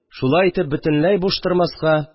Шулай итеп, бөтенләй буш тормаска